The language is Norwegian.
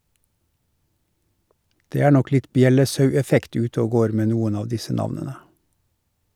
Det er nok litt bjellesaueffekt ute og går med noen av disse navnene.